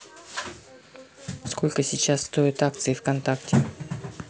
сколько сейчас стоят акции в контакте